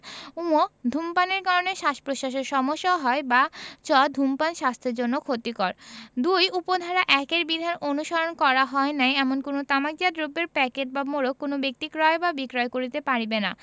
ঙ ধূমপানের কারণে শ্বাসপ্রশ্বাসের সমস্যা হয় বা চ ধূমপান স্বাস্থ্যের জন্য ক্ষতিকর ২ উপ ধারা ১ এর বিধান অনুসরণ করা হয় নাই এমন কোন তামাকজাত দ্রব্যের প্যাকেট বা মোড়ক কোন ব্যক্তি ক্রয় বা বিক্রয় করিতে পারিবে না